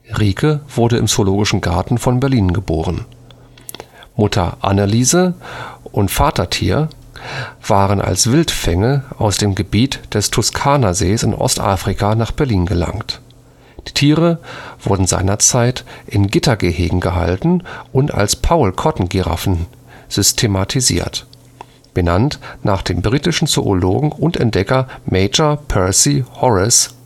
Rieke (anderen Angaben zufolge „ Rike “) wurde im Zoologischen Garten von Berlin geboren. Mutter -(„ Anneliese “) und Vatertier waren als Wildfänge aus dem Gebiet des Turkana-Sees in Ostafrika nach Berlin gelangt. Die Tiere wurden seinerzeit in Gittergehegen gehalten und als Powell-Cotton-Giraffen systematisiert, benannt nach dem britischen Zoologen und Entdecker Major Percy Horace